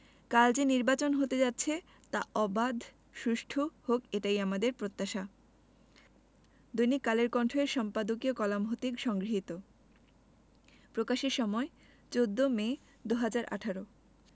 কাল যে নির্বাচন হতে যাচ্ছে তা অবাধ সুষ্ঠু হোক এটাই আমাদের প্রত্যাশা দৈনিক কালের কণ্ঠ এর সম্পাদকীয় কলাম হতে সংগৃহীত প্রকাশের সময় ১৪ মে ২০১৮